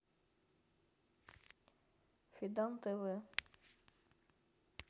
фидан тв